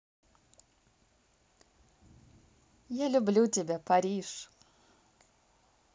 я люблю тебя париж